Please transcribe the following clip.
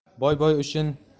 boy boy uchun